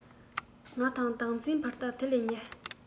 ང དང བདག འཛིན བར ཐག དེ ལས ཉེ